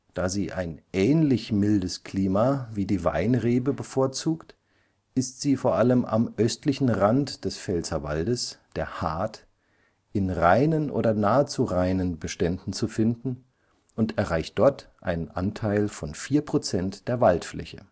Da sie ein ähnlich mildes Klima (siehe auch Unterkapitel Temperatur) wie die Weinrebe bevorzugt, ist sie vor allem am östlichen Rand des Pfälzerwaldes, der Haardt, in reinen oder nahezu reinen Beständen zu finden und erreicht dort einen Anteil von 4 Prozent der Waldfläche